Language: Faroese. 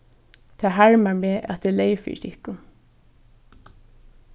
tað harmar meg at eg leyg fyri tykkum